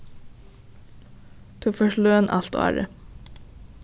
tú fært løn alt árið